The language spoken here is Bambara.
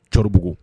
Cribugu